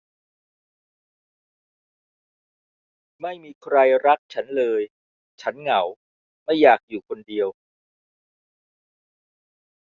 ไม่มีใครรักฉันเลยฉันเหงาไม่อยากอยู่คนเดียว